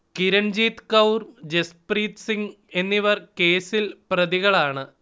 കിരൺജീത് കൗർ, ജസ്പ്രീത് സിങ് എന്നിവർ കേസിൽ പ്രതികളാണ്